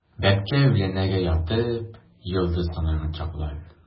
Бәбкә үләннәргә ятып, йолдыз санаган чаклар.